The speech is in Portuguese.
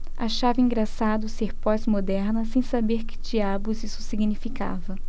achava engraçado ser pós-moderna sem saber que diabos isso significava